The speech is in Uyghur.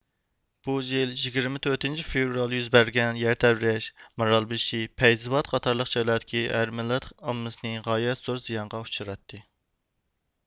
بۇ يىل يىگىرمە تۆتىنچى فېۋرال يۈز بەرگەن يەر تەۋرەش مارالبېشى پەيزاۋات قاتارلىق جايلاردىكى ھەر مىللەت ئاممىسىنى غايەت زور زىيانغا ئۇچراتتى